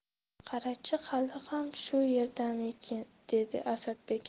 qara chi hali ham shu yerdamikin dedi asadbek